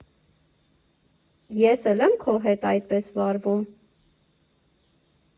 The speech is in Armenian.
Ես է՞լ եմ քո հետ այդպես վարվում…